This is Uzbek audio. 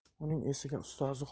uning esiga ustozi